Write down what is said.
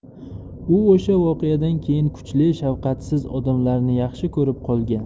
u o'sha voqeadan keyin kuchli shafqatsiz odamlarni yaxshi ko'rib qolgan